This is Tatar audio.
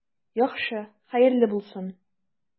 Яхшы, хәерле булсын.